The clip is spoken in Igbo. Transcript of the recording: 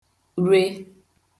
re